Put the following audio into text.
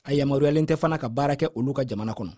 a yamaruyalen tɛ fana ka baara kɛ olu ka jamana kɔnɔ